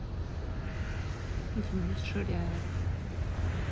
денис ширяев